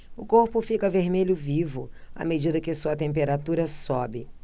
o corpo fica vermelho vivo à medida que sua temperatura sobe